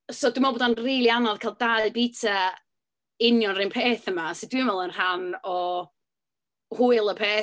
So, dwi'n meddwl bod o'n rili anodd cael dau bitsa union yr un peth yma, sy dwi'n meddwl yn rhan o hwyl y peth.